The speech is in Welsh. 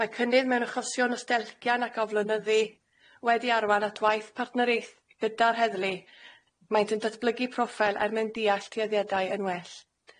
Mae cynnydd mewn achosion o stelgian ac oflynyddu wedi arwain at waith partneriaeth gyda'r heddlu, maent yn datblygu proffil er mwyn deall tueddiadau yn well.